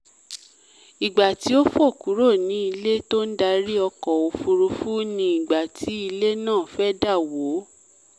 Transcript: Ìgbà tí ó fò kúrò ní ilé tó ń darí ọkọ̀-òfúrufú ni ìgbà tí ilé náà fẹ́ dà wó.